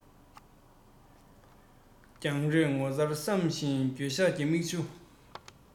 རྒྱག རེས ངོ གསོར བསམ ཞིང འགྱོད ཤགས ཀྱི མིག ཆུ